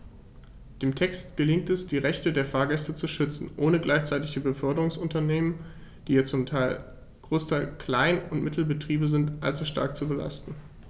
Dem Text gelingt es, die Rechte der Fahrgäste zu schützen, ohne gleichzeitig die Beförderungsunternehmen - die ja zum Großteil Klein- und Mittelbetriebe sind - allzu stark zu belasten.